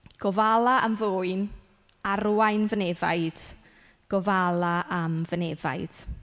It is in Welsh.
Gofala am fy ŵyn, arwain fy nefaid gofala am fy nefaid.